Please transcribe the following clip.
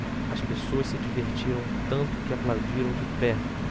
as pessoas se divertiram tanto que aplaudiram de pé